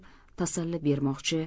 tasalli bermoqchi